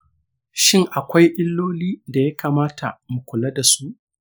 shin akwai illolin da ya kamata mu kula da su?